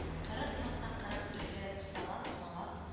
Кырыкмаса-кырык төрле салат-малат